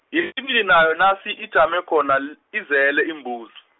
yesibili nayo nasi ijame khona, l- izele iimbuzi.